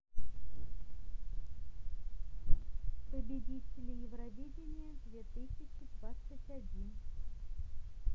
победители евровидения две тысячи двадцать один